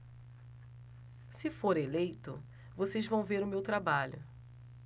se for eleito vocês vão ver o meu trabalho